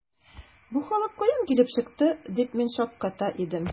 “бу халык кайдан килеп чыкты”, дип мин шакката идем.